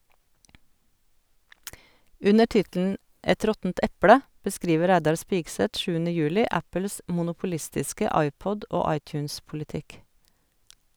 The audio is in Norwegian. Under tittelen "Et råttent eple" beskriver Reidar Spigseth Apples monopolistiske iPod- og iTunes-politikk.